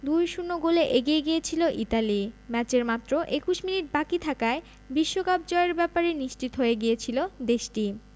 ২ ০ গোলে এগিয়ে গিয়েছিল ইতালি ম্যাচের মাত্র ২১ মিনিট বাকি থাকায় বিশ্বকাপ জয়ের ব্যাপারে নিশ্চিত হয়ে গিয়েছিল দেশটি